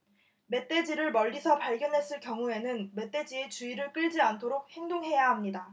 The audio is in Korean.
멧돼지를 멀리서 발견했을 경우에는 멧돼지의 주의를 끌지 않도록 행동해야 합니다